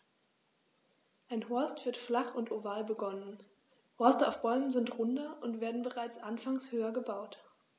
Ein Horst wird flach und oval begonnen, Horste auf Bäumen sind runder und werden bereits anfangs höher gebaut.